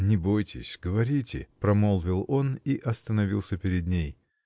-- Не бойтесь, говорите, -- промолвил он и остановился перед ней.